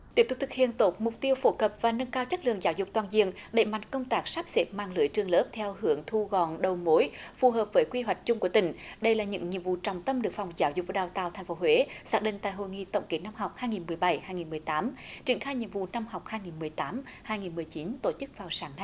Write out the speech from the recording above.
tiếp tục thực hiện tốt mục tiêu phổ cập và nâng cao chất lượng giáo dục toàn diện đẩy mạnh công tác sắp xếp mạng lưới trường lớp theo hướng thu gọn đầu mối phù hợp với quy hoạch chung của tỉnh đây là những nhiệm vụ trọng tâm được phòng giáo dục và đào tạo thành phố huế xác định tại hội nghị tổng kết năm học hai nghìn mười bảy hai nghìn mười tám triển khai nhiệm vụ năm học hai nghìn mười tám hai nghìn mười chín tổ chức vào sáng nay